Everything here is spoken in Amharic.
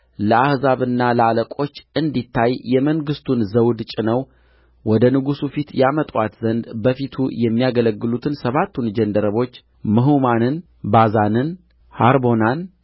ለአሕዛብና ለአለቆች እንዲታይ የመንግሥቱን ዘውድ ጭነው ወደ ንጉሡ ፊት ያመጡአት ዘንድ በፊቱ የሚያገለግሉትን ሰባቱን ጃንደረቦች ምሁማንን ባዛንን ሐርቦናን